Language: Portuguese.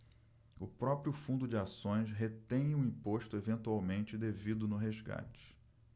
o próprio fundo de ações retém o imposto eventualmente devido no resgate